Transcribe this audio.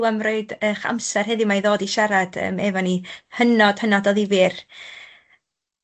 ###am roid eich amser heddiw 'ma i ddod i siarad yym efo ni hynod, hynod o ddifyr.